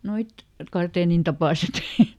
nuo karteenin tapaiset